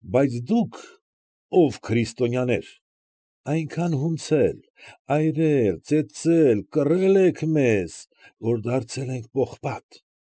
Բայց դուք, ով քրիստոնյաներ, այնքան հունցել, այրել, ծեծել, կռել եք մեզ, որ դարձել ենք պողպատ։